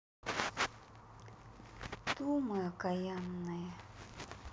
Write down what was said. думы окаянные